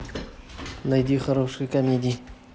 найди хорошие комедии